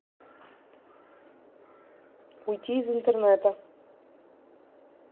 уйти из интернета